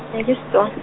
e ke Setswan-.